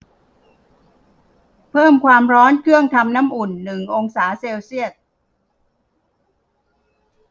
เพิ่มความร้อนเครื่องทำน้ำอุ่นหนึ่งองศาเซลเซียส